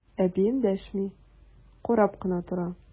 Әби эндәшми, карап кына тора.